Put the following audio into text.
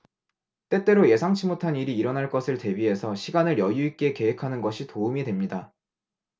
때때로 예상치 못한 일이 일어날 것을 대비해서 시간을 여유 있게 계획하는 것이 도움이 됩니다